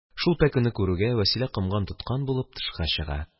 Шуны күргәннән соң, Вәсилә, комган тоткан булып, тышка чыга.